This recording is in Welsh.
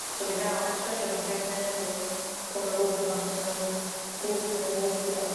'C'os o fi ga'l especially efo llais hen fi cofio rywun dod at yym booth lle o' fi'n weithio